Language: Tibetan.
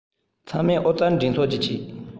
ཚང མས ཨོ རྩལ འགྲན ཚོགས ཀྱི ཆེད